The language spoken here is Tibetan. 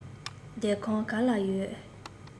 བསྡད ཁོམ ག ལ ཡོད